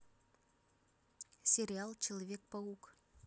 сериал человек паук